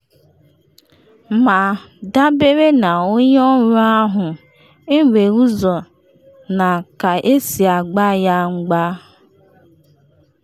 Ma, dabere na onye ọrụ ahụ, enwere ụzọ na ka-esi agba ya mgba.